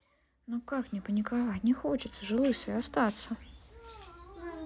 ну как не паниковать не хочется же лысой остаться